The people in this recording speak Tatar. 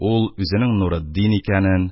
Ул үзенең Нуретдин икәнен,